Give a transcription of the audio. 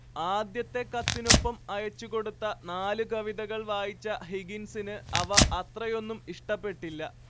ആദ്യത്തെ കത്തിനൊപ്പം അയച്ചുകൊടുത്ത നാല് കവിതകൾ വായിച്ച ഹിഗിൻസിന് അവ അത്രയൊന്നും ഇഷ്ടപ്പെട്ടില്ല